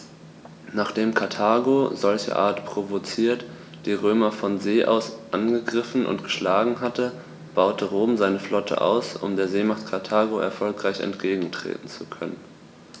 Nachdem Karthago, solcherart provoziert, die Römer von See aus angegriffen und geschlagen hatte, baute Rom seine Flotte aus, um der Seemacht Karthago erfolgreich entgegentreten zu können.